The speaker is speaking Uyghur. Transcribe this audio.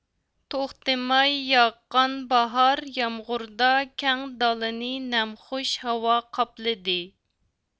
توختىماي ياغقان باھار يامغۇردا كەڭ دالىنى نەمخۇش ھاۋا قاپلىدى